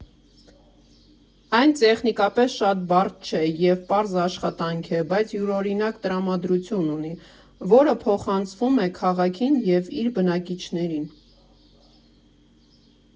Այն տեխնիկապես շատ բարդ չէ և պարզ աշխատանք է, բայց յուրօրինակ տրամադրություն ունի, որը փոխանցվում է քաղաքին և իր բնակիչներին։